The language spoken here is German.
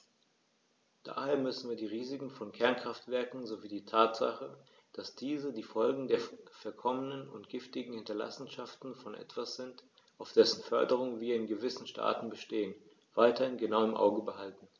Daher müssen wir die Risiken von Kernkraftwerken sowie die Tatsache, dass diese die Folgen der verkommenen und giftigen Hinterlassenschaften von etwas sind, auf dessen Förderung wir in gewissen Staaten bestehen, weiterhin genau im Auge behalten.